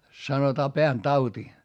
sanotaan pääntauti